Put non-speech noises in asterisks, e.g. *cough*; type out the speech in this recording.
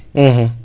*hesitation* *hesitation*